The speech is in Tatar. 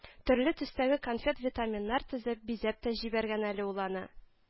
Төрле төстәге конфет-витаминнар тезеп бизәп тә җибәргән әле ул аны